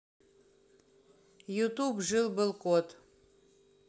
ютуб жил был кот